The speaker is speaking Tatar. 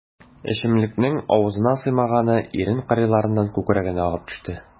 Эчемлекнең авызына сыймаганы ирен кырыйларыннан күкрәгенә агып төште.